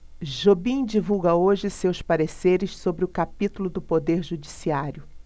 jobim divulga hoje seus pareceres sobre o capítulo do poder judiciário